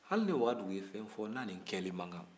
hali ni wagadugu ye fɛn fɔ n'a ni kɛli man kan